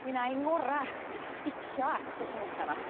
Mi wna i ngora i sticio at y llinella' 'ma.